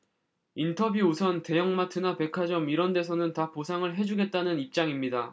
인터뷰 우선 대형마트나 백화점 이런 데서는 다 보상을 해 주겠다는 입장입니다